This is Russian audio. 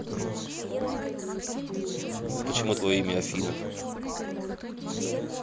почему твое имя афина